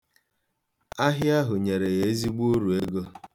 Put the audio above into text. Ahịa ahụ nyere ya ezigbo uruego.